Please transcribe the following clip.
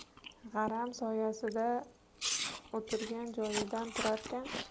g'aram soyasida o'tirgan joyidan turarkan